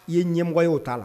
I ye ɲɛmɔgɔ ye' o'a la